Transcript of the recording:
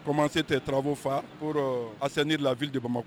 Komanse tɛ tarawele fa asan ni lafifilidi de bama ma